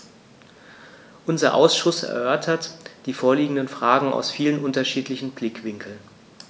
Unser Ausschuss erörtert die vorliegenden Fragen aus vielen unterschiedlichen Blickwinkeln.